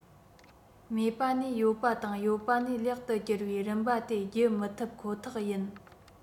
མེད པ ནས ཡོད པ དང ཡོད པ ནས ལེགས དུ གྱུར བའི རིམ པ དེ བརྒྱུད མི ཐུབ ཁོ ཐག ཡིན